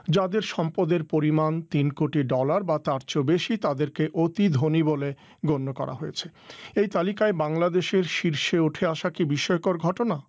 যাদের সম্পদের পরিমাণ তিন কোটি ডলার বা তাদেরকে অতি ধনী বলে গণ্য করা হচ্ছে এই তালিকায় বাংলাদেশের শীর্ষে উঠে আসা কি বিস্ময়কর ঘটনা